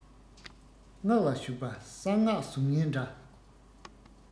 སྔགས ལ ཞུགས པ གསང སྔགས གཟུགས བརྙན འདྲ